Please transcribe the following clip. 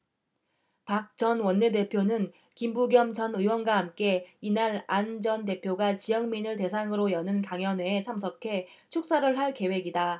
박 전 원내대표는 김부겸 전 의원과 함께 이날 안 전 대표가 지역민을 대상으로 여는 강연회에 참석해 축사를 할 계획이다